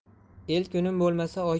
el kunim bo'lmasa